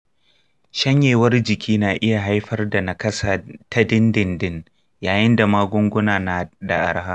shanyewar jiki na iya haifar da nakasa ta dindindin yayinda magunguna nada arha.